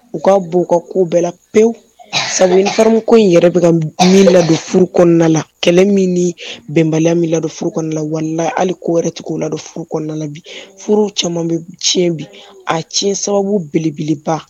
U ka bo u ka ko bɛɛ la pewu sabu uniforme ko in yɛrɛ bɛ min ladon furu kɔnɔna la kɛlɛ min bɛnbaliya min la don furu kɔnɔna la walayi hali ko wɛrɛ tɛ k'o la don furu kɔnɔna la bi furu caman bɛ tiɲɛ bi a tiɲɛ sababu belebeleba